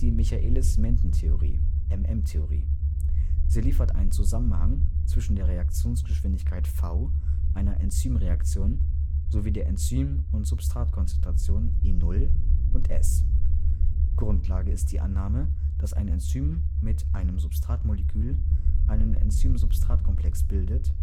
Michaelis-Menten-Theorie (MM-Theorie). Sie liefert einen Zusammenhang zwischen der Reaktionsgeschwindigkeit v einer Enzymreaktion sowie der Enzym - und Substratkonzentration [E0] und [S]. Grundlage ist die Annahme, dass ein Enzym mit einem Substratmolekül einen Enzym-Substrat-Komplex bildet